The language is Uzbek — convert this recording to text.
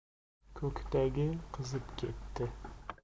ko'kdagi qizib ketdi